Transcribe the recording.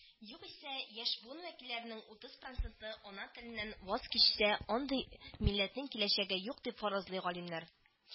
Югыйсә, яшь буын вәкилләренең утыз проценты ана теленнән ваз кичсә, андый милләтнең киләчәге юк, дип фаразлый галимнәр